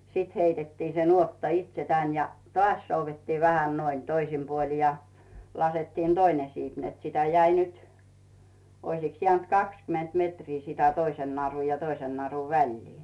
sitten heitettiin se nuotta itse tänne ja taas soudettiin vähän noin toisin puolin ja laskettiin toinen siipi että sitä jäi nyt olisikos jäänyt kaksikymmentä metriä sitä toisen narun ja toisen narun väliä